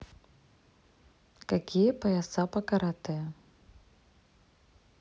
какие пояса по карате